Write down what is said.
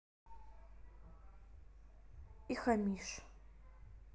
и хамишь